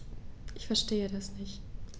Verstehe das nicht.